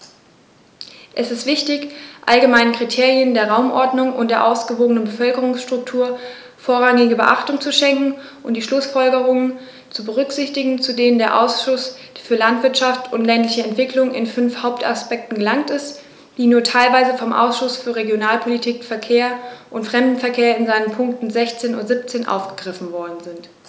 Es ist wichtig, allgemeinen Kriterien der Raumordnung und der ausgewogenen Bevölkerungsstruktur vorrangige Beachtung zu schenken und die Schlußfolgerungen zu berücksichtigen, zu denen der Ausschuss für Landwirtschaft und ländliche Entwicklung in fünf Hauptaspekten gelangt ist, die nur teilweise vom Ausschuss für Regionalpolitik, Verkehr und Fremdenverkehr in seinen Punkten 16 und 17 aufgegriffen worden sind.